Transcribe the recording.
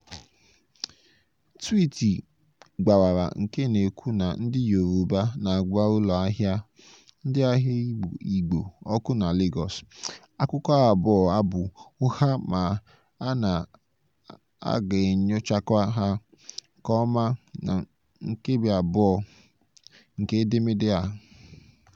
Twiiti gbawara nke na-ekwu na ndị Yoruba na-agba ụlọ ahịa ndị ahịa Igbo ọkụ na Lagos. Akụkọ abụọ a bụ ụgha ma a ga-enyochakwa ha nke ọma na Nkebi II nke edemede a.